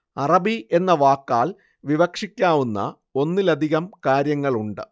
അറബി എന്ന വാക്കാൽ വിവക്ഷിക്കാവുന്ന ഒന്നിലധികം കാര്യങ്ങളുണ്ട്